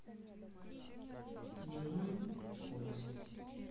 дневной поезд